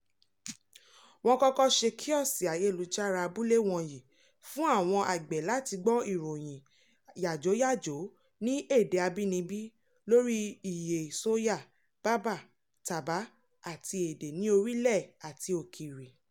Wọ́n kọ́kọ́ ṣe àwọn kíọ́ọ̀sì ayélujára abúlé wọ̀nyí fún àwọn àgbẹ̀ láti gbọ́ ìròyìn yàjóyàjó ní èdè abínibí lórí ìyè sóyà, bàbà, tábà àti èdè ní orílẹ̀ àti òkèèrè.